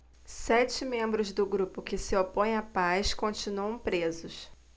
sete membros do grupo que se opõe à paz continuam presos